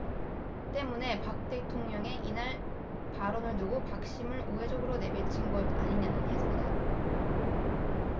때문에 박 대통령의 이날 발언을 두고 박심 을 우회적으로 내비친 것 아니냐는 해석이 나왔다